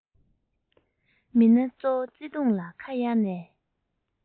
མི སྣ གཙོ བོ བརྩེ དུང ལ ཁ གཡར ནས